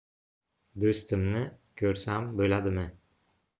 dostimni ko'rsam bo'ladimi